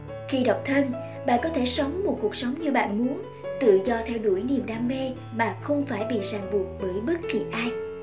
khi độc thân bạn có thể sống một cuộc sống như bạn muốn tự do theo đuổi niềm đam mê mà không phải bị ràng buộc bởi bất kỳ ai